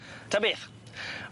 Ta beth.